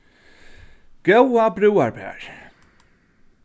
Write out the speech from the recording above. góða brúðarpar